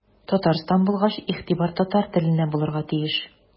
Татарстан булгач игътибар татар теленә булырга тиеш.